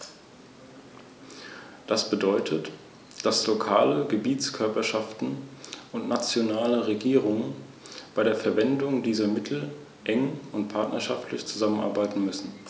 Die Voraussetzungen in den einzelnen Mitgliedstaaten sind sehr verschieden.